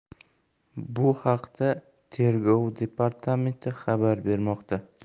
bu haqda tergov departamenti xabar bermoqda